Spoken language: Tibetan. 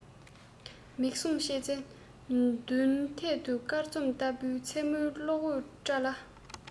མིག ཟུང ཕྱེ ཚེ མདུན ཐད དུ སྐར ཚོམ ལྟ བུའི མཚན མོའི གློག འོད བཀྲ ལ